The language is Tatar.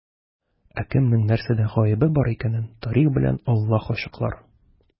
Ә кемнең нәрсәдә гаебе бар икәнен тарих белән Аллаһ ачыклар.